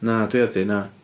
Na, dwi heb 'di, na.